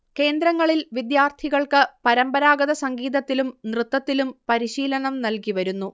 കേന്ദ്രങ്ങളിൽ വിദ്യാർഥികൾക്ക് പരമ്പരാഗത സംഗീതത്തിലും നൃത്തത്തിലും പരിശീലനം നൽകിവരുന്നു